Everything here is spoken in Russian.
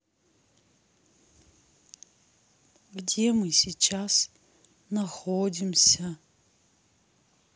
где мы сейчас находимся